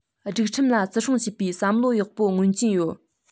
སྒྲིག ཁྲིམས ལ བརྩི སྲུང བྱེད པའི བསམ བློ ཡག པོ མངོན གྱི ཡོད